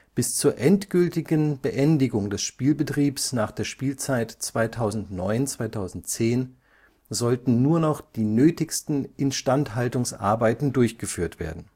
Bis zur endgültigen Beendigung des Spielbetriebs nach der Spielzeit 2009/10 sollten nur noch die nötigsten Instandhaltungsarbeiten durchgeführt werden